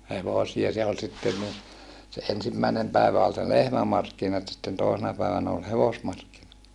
hevosia se oli sitten niin se ensimmäinen päivä oli se lehmämarkkinat sitten toisena päivänä oli hevosmarkkinat